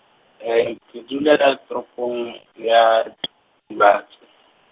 ke dula ya toropong ya , Matšhe.